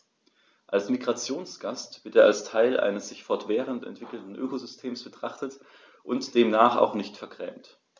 Als Migrationsgast wird er als Teil eines sich fortwährend entwickelnden Ökosystems betrachtet und demnach auch nicht vergrämt.